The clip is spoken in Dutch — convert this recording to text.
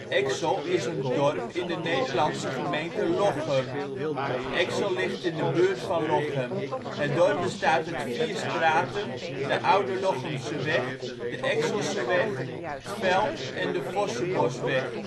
Exel is een dorp in de Nederlandse gemeente Lochem. Exel ligt in de buurt van Lochem. Het dorp bestaat uit vier straten, de Oude Lochemseweg, de Exelseweg, ' t Veld en de Vossebosweg